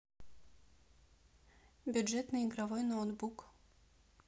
бюджетный игровой ноутбук